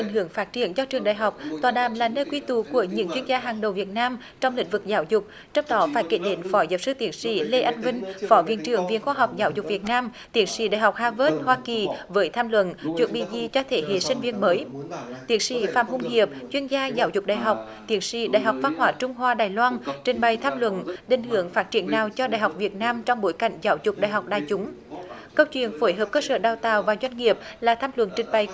định hướng phát triển cho trường đại học tọa đàm là nơi quy tụ của những chuyên gia hàng đầu việt nam trong lĩnh vực giáo dục chấp đó phải kể đến phó giáo sư tiến sĩ lê anh vinh phó viện trưởng viện khoa học giáo dục việt nam tiến sĩ đại học ha vớt hoa kỳ với tham luận chuẩn bị gì cho thế hệ sinh viên mới tiến sĩ phạm hùng hiệp chuyên gia giáo dục đại học tiến sĩ đại học văn hóa trung hoa đài loan trình bày tham luận định hướng phát triển nào cho đại học việt nam trong bối cảnh giáo dục đại học đại chúng câu chuyện phối hợp cơ sở đào tạo và chuyên nghiệp là tham luận trình bày